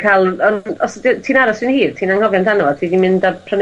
ca'l yym os dy- ti'n aros yn hi, ti'n anghofio amdano fo a ti 'di mynd a prynu